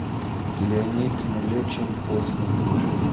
леонид млечин поздний ужин